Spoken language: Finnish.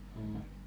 mm